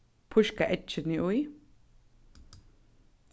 píska eggini í